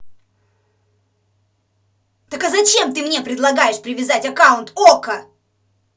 так а зачем ты мне предлагаешь привязать аккаунт okko